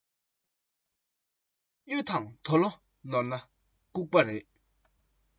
གཡུ དང དོ ལོ ནོར ན ལྐུགས པ རེད